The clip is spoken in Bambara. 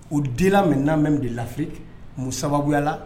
Au delà maintenant même de l'Afrique mun sababuya la?